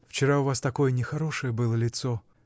Вчера у вас такое нехорошее было лицо.